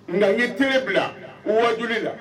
Nka n ye t bila u wadu la